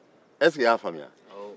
i y'a faamuya wa